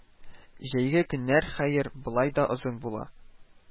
Җәйге көннәр, хәер, болай да озын була